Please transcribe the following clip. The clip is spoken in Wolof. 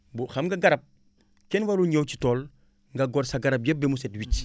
bu xam nga garab kenn warul ñëw ci tool nga gor sa garab yëpp ba mu set wecc